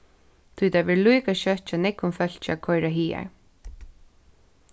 tí tað verður líka skjótt hjá nógvum fólki at koyra hagar